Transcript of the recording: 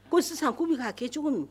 Ko sisan k'u bɛ k'a kɛ cogo min